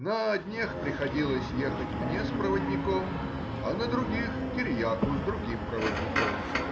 на одних приходилось ехать мне с проводником, а на других — Кириаку с другим проводником.